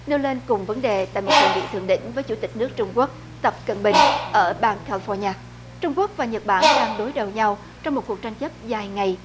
nêu lên cùng vấn đề tại một hội nghị thượng đỉnh với chủ tịch nước trung quốc tập cận bình ở bàn ca pho nha trung quốc và nhật bản đang đối đầu nhau trong một cuộc tranh chấp dài ngày